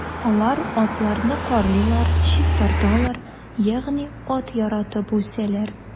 Алар атларны карыйлар, чистарталар, ягъни ат яратып үсәләр.